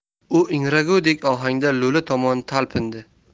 u ingragudek ohangda lo'li tomon talpindi